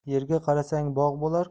yerga qarasang bog' bo'lar